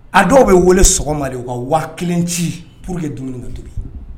A dɔw bɛ wele sɔgɔma ka waa kelen ci pur de dumuni tobi